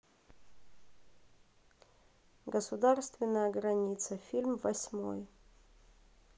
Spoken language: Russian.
государственная граница фильм восьмой